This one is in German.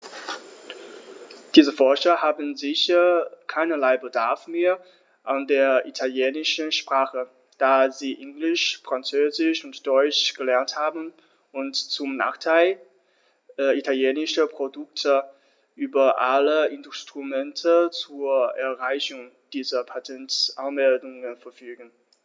Diese Forscher haben sicher keinerlei Bedarf mehr an der italienischen Sprache, da sie Englisch, Französisch und Deutsch gelernt haben und, zum Nachteil italienischer Produkte, über alle Instrumente zur Einreichung dieser Patentanmeldungen verfügen.